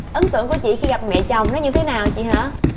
ấn tượng của chị khi gặp mẹ chồng nó như thế nào chị hả